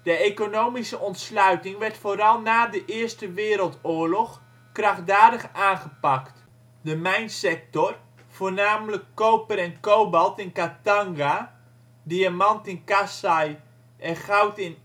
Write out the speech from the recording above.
economische ontsluiting werd vooral na de Eerste Wereldoorlog krachtdadig aangepakt. De mijnsector (voornamelijk koper en kobalt in Katanga, diamant in Kasai, goud in